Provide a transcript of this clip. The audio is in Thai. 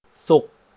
ศุกร์